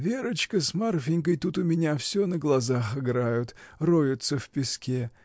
— Верочка с Марфинькой тут у меня всё на глазах играют, роются в песке.